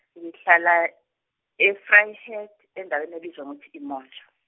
ngihlala, e- Vryheid endaweni ebizwa ngokuthi iMondlo.